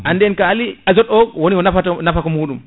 andi en kaali azote o woni ko nafata wodi ko nafaka ko muɗum